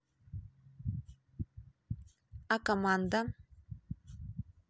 а команда